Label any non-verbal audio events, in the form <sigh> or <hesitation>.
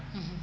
<hesitation> <hesitation>